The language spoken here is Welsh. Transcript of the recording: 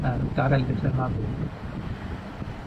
yy gadael i bethe fel 'a fod?